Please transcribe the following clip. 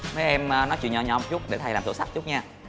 mấy em a nói chuyện nhỏ nhỏ một chút để thầy làm sổ sách chút nha